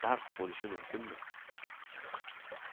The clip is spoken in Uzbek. dard bo'lishi mumkinmi